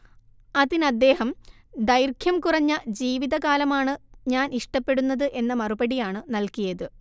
അതിനദ്ദേഹം ദൈർഘ്യം കുറഞ്ഞ ജീവിതകാലമാണ്‌ ഞാൻ ഇഷ്ടപ്പെടുന്നത് എന്ന മറുപടിയാണ് നൽകിയത്